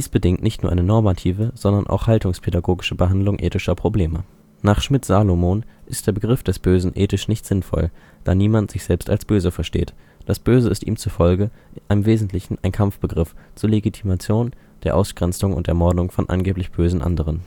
bedingt nicht nur eine normative, sondern auch haltungspädagogische Behandlung ethischer Probleme. Nach Schmidt-Salomon ist der Begriff des Bösen ethisch nicht sinnvoll, da niemand sich selbst als böse versteht. Das Böse ist ihm zufolge im Wesentlichen ein Kampfbegriff zur Legitimation der Ausgrenzung und Ermordung von angeblich bösen Anderen